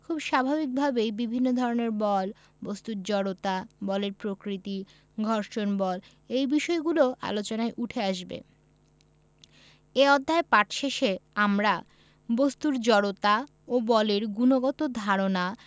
খুব স্বাভাবিকভাবেই বিভিন্ন ধরনের বল বস্তুর জড়তা বলের প্রকৃতি ঘর্ষণ বল এই বিষয়গুলোও আলোচনায় উঠে আসবে ⦁ বস্তুর জড়তা ও বলের গুণগত ধারণা